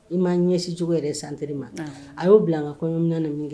I m'a ɲɛsinjugu yɛrɛ sanrri ma a y'o bila a kɔɲɔ nana min kɛ